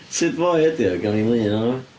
Sut foi ydy o? Gawn ni lun ohono fo?